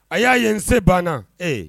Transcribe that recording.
A y'a ye n se banna ee